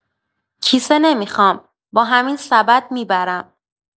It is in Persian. کیسه نمی‌خوام، با همین سبد می‌برم.